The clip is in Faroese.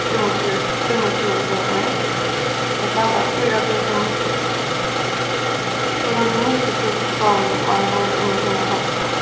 fimmogtjúgu krónur tað standa fýra túsund fýra hundrað og níggju túsund krónur og ein hálv inni á tínari konto